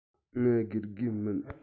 ང དགེ རྒན མིན